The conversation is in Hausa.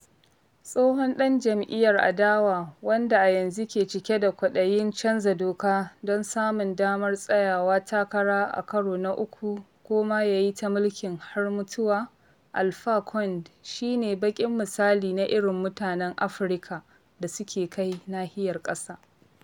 Tsohon ɗan jam'iyyar adawa wanda a yanzu ke cike da kwaɗayin chanja doka don samun damar tsayawa takara a karo na uku ko ma ya yi ta mulkin har mutuwa, Alpha Conde shi ne baƙin misali na irin mutanen Afirka da suke kai nahiyar ƙasa